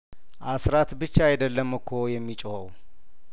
አስራት ብቻ አይደለም እኮ የሚጮኸው